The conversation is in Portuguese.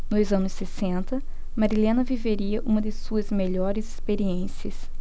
nos anos sessenta marilena viveria uma de suas melhores experiências